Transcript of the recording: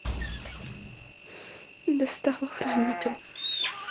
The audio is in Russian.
достал охранника